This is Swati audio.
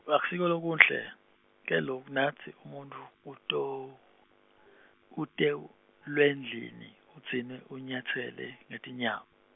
akusiko lokuhle ke loku natsi umuntfu, uto-, utew- -lwendlini, udzine, unyatselwe, ngetinyawo.